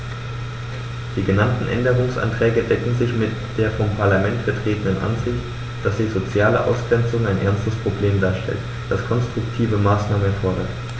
Die genannten Änderungsanträge decken sich mit der vom Parlament vertretenen Ansicht, dass die soziale Ausgrenzung ein ernstes Problem darstellt, das konstruktive Maßnahmen erfordert.